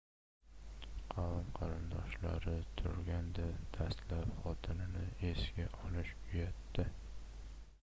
qavm qarindoshlari turganda dastlab xotinini esga olish uyatda